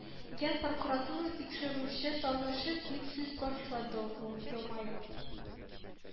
Генпрокуратура тикшерүче танышыйк, дип сүз башлады ул, елмаеп